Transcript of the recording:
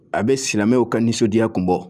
A bɛ silamɛw ka nisɔndiyaya kun bɔ